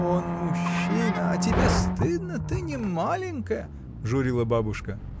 — Он мужчина, а тебе стыдно, ты не маленькая! — журила бабушка.